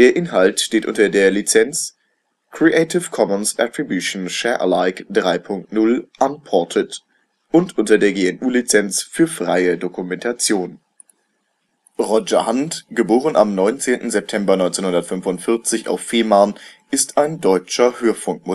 Inhalt steht unter der Lizenz Creative Commons Attribution Share Alike 3 Punkt 0 Unported und unter der GNU Lizenz für freie Dokumentation. Roger Handt (* 19. September 1945 auf Fehmarn) ist ein deutscher Hörfunkmoderator